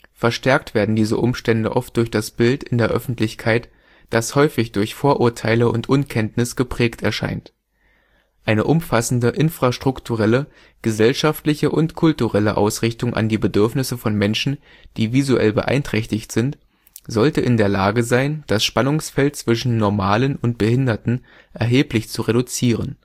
Verstärkt werden diese Umstände oft durch das Bild in der Öffentlichkeit, das häufig durch Vorurteile und Unkenntnis geprägt erscheint. Eine umfassende infrastrukturelle, gesellschaftliche und kulturelle Ausrichtung an die Bedürfnisse von Menschen, die visuell beeinträchtigt sind, sollte in der Lage sein, das Spannungsfeld zwischen " Normalen " und " Behinderten " erheblich zu reduzieren